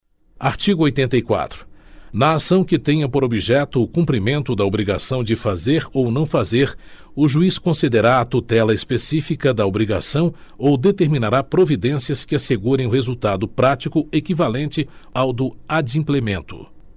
artigo oitenta e quatro na ação que tenha por objeto o cumprimento da obrigação de fazer ou não fazer o juiz concederá a tutela específica da obrigação ou determinará providências que assegurem o resultado prático equivalente ao do adimplemento